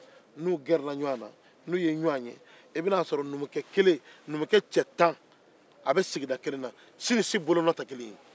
n'u ye ɲɔgɔn ye i bɛ t'a sɔrɔ numukɛ cɛ tan bɛ sigida la mɛ si-si bolonɔ tɛ kelen ye